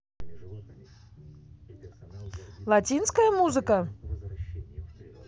латинская музыка